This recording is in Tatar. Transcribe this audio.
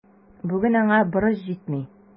Бүген аңа борыч җитми.